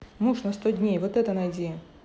муж на сто дней вот это найди